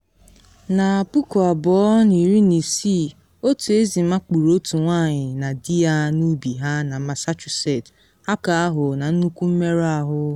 Na 2016, otu ezi makpuru otu nwanyị na dị ya n’ubi ha na Massachusetts, hapụ nwoke ahụ na nnukwu mmerụ ahụ.